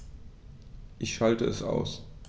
Ich schalte es aus.